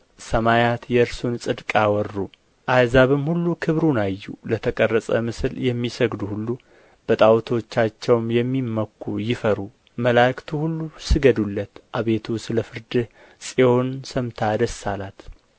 ሰማያት የእርሱን ጽድቅ አወሩ አሕዛብም ሁሉ ክብሩን አዩ ለተቀረጸ ምስል የሚሰግዱ ሁሉ በጣዖቶቻቸውም የሚመኩ ይፈሩ መላእክቱ ሁሉ ስገዱለት አቤቱ ስለ ፍርድህ ጽዮን ሰምታ ደስ አላት